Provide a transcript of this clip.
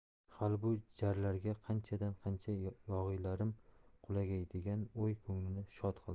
hali bu jarlarga qanchadan qancha yog'iylarim qulagay degan o'y ko'nglini shod qildi